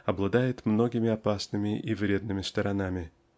обладает многими опасными и вредными сторонами.